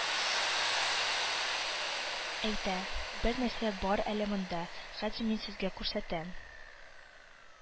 Әйтә: «бернәрсә бар әле монда, хәзер мин сезгә күрсәтәм»,